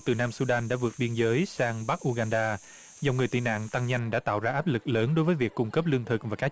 từ nam su đan đã vượt biên giới sang bắc u gan đa dòng người tị nạn tăng nhanh đã tạo ra áp lực lớn đối với việc cung cấp lương thực và các